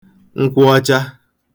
nkwụ ọcha